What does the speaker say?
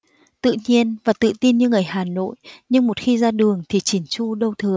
tự nhiên và tự tin như người hà nội nhưng một khi ra đường thì chỉn chu đâu thừa